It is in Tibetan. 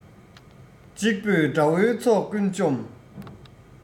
གཅིག པུས དགྲ བོའི ཚོགས ཀུན བཅོམ